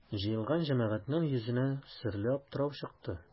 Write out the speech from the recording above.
Җыелган җәмәгатьнең йөзенә серле аптырау чыкты.